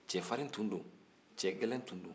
cɛfarin tun don cɛgɛlɛn tun don